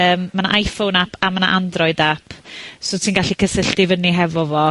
yym ma' 'na IPhone app a ma' 'na Android app, so ti'n gallu cysylltu fyny hefo fo.